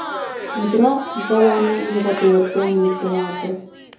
mudroq dalani uyg'otayotgandek bo'lardi